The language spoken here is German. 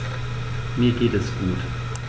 Mir geht es gut.